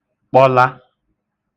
kpọla